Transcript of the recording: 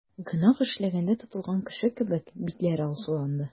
Гөнаһ эшләгәндә тотылган кеше кебек, битләре алсуланды.